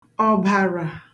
ọ̀bàrà